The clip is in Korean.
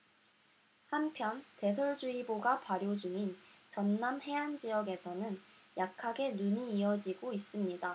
한편 대설주의보가 발효 중인 전남 해안 지역에서는 약하게 눈이 이어지고 있습니다